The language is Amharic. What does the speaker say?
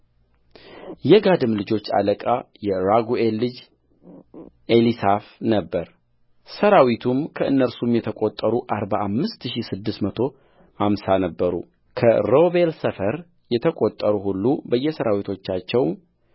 የጋድም ልጆች አለቃ የራጉኤል ልጅ ኤሊሳፍ ነበረሠራዊቱም ከእነርሱም የተቈጠሩ አርባ አምስት ሺህ ስድስት መቶ አምሳ ነበሩከሮቤል ሰፈር የተቈጠሩ ሁሉ በየሠራዊቶቻቸው